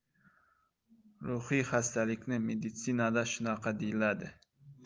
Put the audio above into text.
ruhiy xastalikni meditsinada shunaqa deyiladi